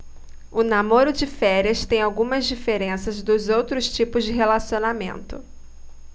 o namoro de férias tem algumas diferenças dos outros tipos de relacionamento